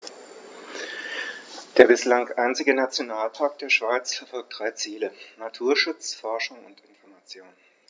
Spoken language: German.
Der bislang einzige Nationalpark der Schweiz verfolgt drei Ziele: Naturschutz, Forschung und Information.